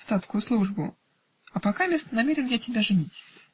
в статскую службу; а покамест намерен я тебя женить".